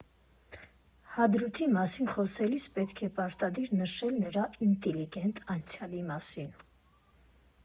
Հադրութի մասին խոսելիս պետք է պարտադիր նշել նրա ինտիլիգենտ անցյալի մասին։